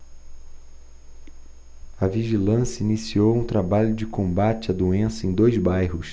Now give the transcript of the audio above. a vigilância iniciou um trabalho de combate à doença em dois bairros